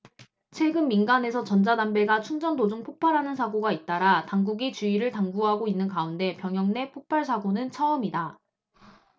최근 민간에서 전자담배가 충전 도중 폭발하는 사고가 잇따라 당국이 주의를 당부하고 있는 가운데 병영 내 폭발 사고는 처음이다